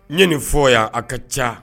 Ye nin fɔ yan a ka ca